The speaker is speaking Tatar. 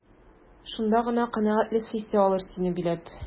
Шунда гына канәгатьлек хисе алыр сине биләп.